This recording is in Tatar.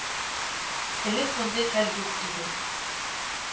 Элек мондый хәл юк иде